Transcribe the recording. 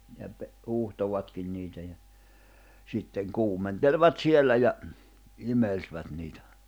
ja - huuhtoivatkin niitä ja sitten kuumentelivat siellä ja imelsivät niitä